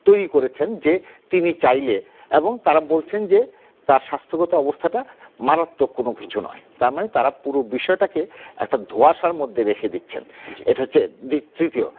তৈরি করেছেন যে তিনি চাইলে এবং তারা বলছেন যে তার স্বাস্থ্যগত অবস্থা টা মারাত্মক কোন কিছু নয় তার মানে তারা পুরো বিষয়টাকে একটা ধোঁয়াশার মধ্যে রেখে দিচ্ছেন এটা হচ্ছে তৃতীয়